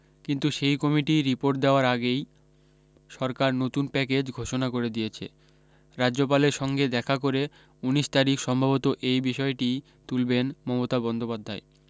কিন্তু সেই committee report দেওয়ার আগেই সরকার নতুন প্যাকেজ ঘোষণা করে দিয়েছে রাজ্যপালের সঙ্গে দেখা করে উনিশ তারিখ সম্ভবত এই বিষয়টি তুলবেন মমতা বন্দ্যোপাধ্যায়